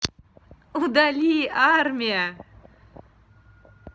удали армия